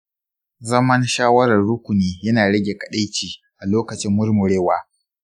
zaman shawarar rukuni yana rage kaɗaici a lokacin murmurewa.